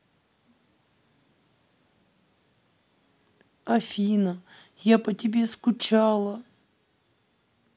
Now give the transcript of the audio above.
афина я по тебе скучала